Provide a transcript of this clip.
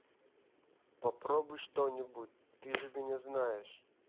попробуй что нибудь ты же меня знаешь